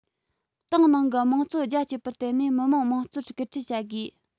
ཏང ནང གི དམངས གཙོ རྒྱ སྐྱེད པར བརྟེན ནས མི དམངས དམངས གཙོར སྐུལ ཁྲིད བྱ དགོས